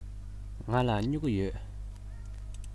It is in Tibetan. ང ལ སྨྱུ གུ ཡོད